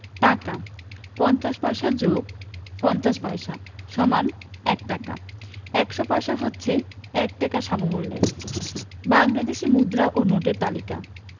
টাকাঃ ৫০ পয়সা + ৫০ পয়সা = ১ টাকা ১০০ পয়সা হচ্ছে ১ টাকার সমমূল্যের বাংলাদেশি মুদ্রা ও নোটের তালিকাঃ